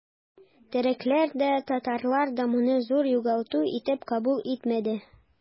Төрекләр дә, татарлар да моны зур югалту итеп кабул итмәде.